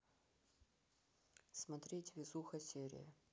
смотреть везуха серия